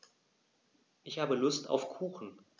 Ich habe Lust auf Kuchen.